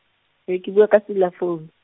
e ke bua ka sela phone.